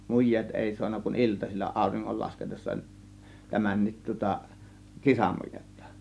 mujeet ei saanut kuin iltasilla auringon laskiessa tämänkin tuota kisamujetta